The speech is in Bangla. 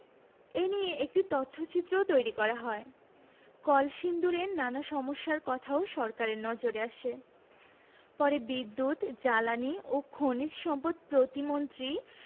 এ নিয়ে একটি তথ্যচিত্রও তৈরি করা হয় কলসিন্দুরের নানা সমস্যার কথাও সরকারের নজরে আসে পরে বিদ্যুৎ জ্বালানি ও খনিজ সম্পদ প্রতিমন্ত্রী